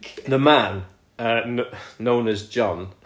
The Man yy n- known as John